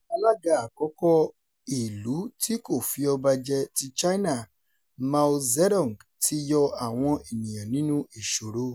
Alága àkọ́kọ́ Ìlú-tí-kò-fi-ọba-jẹ ti China Mao Zedong ti yọ àwọn ènìyàn nínú ìṣòro.